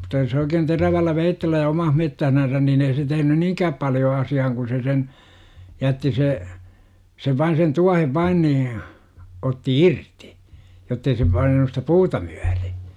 mutta jos oikein terävällä veitsellä ja oman metsässänsä niin ei tehnyt niinkään paljon asiaan kun se sen jätti se sen vain sen tuohen vain niin otti irti jotta ei se painanut sitä puuta myöten